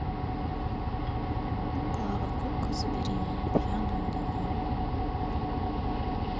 клава кока забери меня пьяную домой